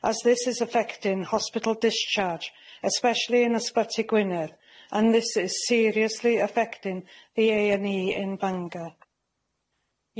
As this is affecting hospital discharge, especially in Ysbyty Gwynedd, and this is seriously affecting the A&E in Bangor.